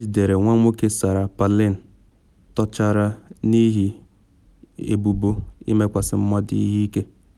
Ejidere Nwa Nwoke Sarah Palin Tọchara N’ihi Ebubo Ịmekwasị Mmadụ Ihe Ike